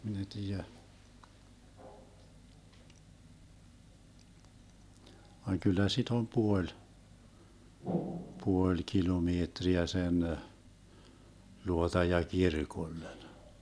minä ei tiedä vaan kyllä sitä on puoli puoli kilometriä sen luota ja kirkolle